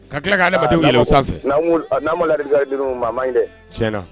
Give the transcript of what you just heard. Ka tila kkan nedamaden sanfɛ n'an lad mama in dɛ tiɲɛna